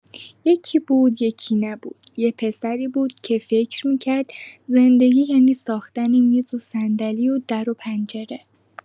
یکی بود، یکی نبود… یه پسری بود که فکر می‌کرد زندگی یعنی ساختن میز و صندلی و در و پنجره.